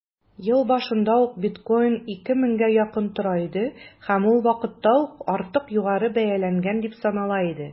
Ел башында ук биткоин 2 меңгә якын тора иде һәм ул вакытта ук артык югары бәяләнгән дип санала иде.